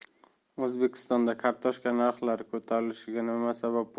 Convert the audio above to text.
o'zbekistonda kartoshka narxlari ko'tarilishiga nima sabab